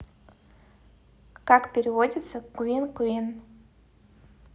как переводится queen queen